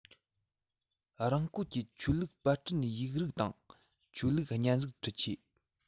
རང བཀོལ གྱི ཆོས ལུགས པར སྐྲུན ཡིག རིགས དང ཆོས ལུགས བརྙན གཟུགས འཕྲུལ ཆས